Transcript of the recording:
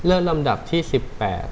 เลือกลำดับที่สิบแปด